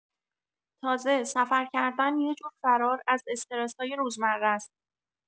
تازه، سفر کردن یه جور فرار از استرس‌های روزمره‌ست.